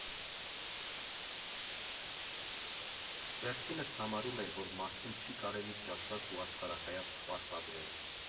Վերջինս համարում էր, որ մարդուն չի կարելի ճաշակ ու աշխարհայացք պարտադրել.